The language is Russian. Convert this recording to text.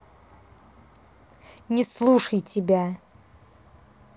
не слушай тебя